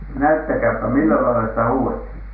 näyttäkääpä millä lailla sitä huudettiin